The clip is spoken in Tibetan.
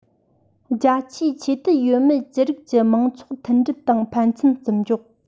རྒྱ ཆེའི ཆོས དད ཡོད མེད ཅི རིགས ཀྱི མང ཚོགས མཐུན སྒྲིལ དང ཕན ཚུན བརྩི འཇོག